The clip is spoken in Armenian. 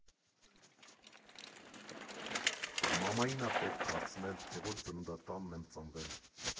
Մամային ա պետք հարցնել, թե որ ծննդատանն եմ ծնվել։